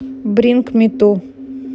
бринг ми ту